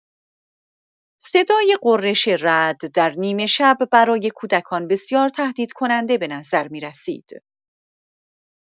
صدای غرش رعد در نیمه‌شب، برای کودکان بسیار تهدیدکننده به نظر می‌رسید.